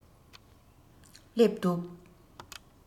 སླེབས འདུག